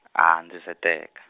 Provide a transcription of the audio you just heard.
a ndzi se teka.